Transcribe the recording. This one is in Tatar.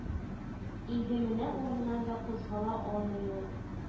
Инде менә урыныннан да кузгала алмый ул